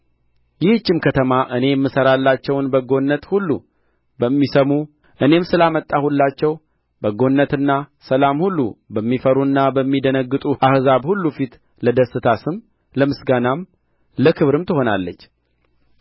ይህችም ከተማ እኔ የምሠራላቸውን በጎነት ሁሉ በሚሰሙ እኔም ስላመጣሁላቸው በጎነትና ሰላም ሁሉ በሚፈሩና በሚደነግጡ አሕዛብ ሁሉ ፊት ለደስታ ስም ለምስጋናም ለክብርም ትሆናለች